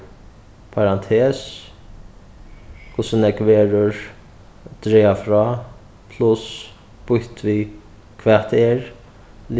parantes hvussu nógv verður draga frá pluss býtt við hvat er